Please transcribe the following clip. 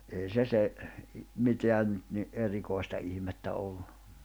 ei se se mitään nyt niin erikoista ihmettä ollut